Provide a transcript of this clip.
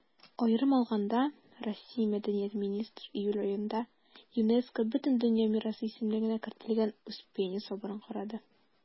Аерым алганда, Россия Мәдәният министры июль аенда ЮНЕСКО Бөтендөнья мирасы исемлегенә кертелгән Успенья соборын карады.